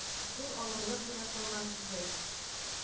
Зур авырлык белән салгансыз, ди